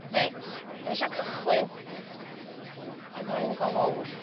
Reit 'dan ni isio cychwyn efo un go fowr.